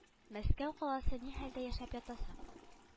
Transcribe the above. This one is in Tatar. Мәскәү каласы ни хәлдә яшәп ята соң